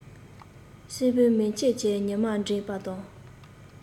སྲིན བུ མེ ཁྱེར གྱིས ཉི མར འགྲན པ དང